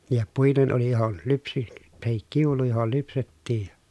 ja puinen oli johon - tai kiulu johon lypsettiin ja